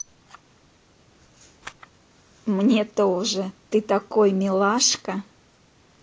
мне тоже ты такой милашка